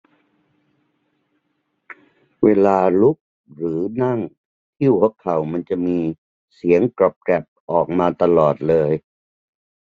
เวลาลุกหรือนั่งที่หัวเข่ามันจะมีเสียงกรอบแกรบออกมาตลอดเลย